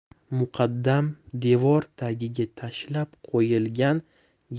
muqaddam devor tagiga tashlab qo'yilgan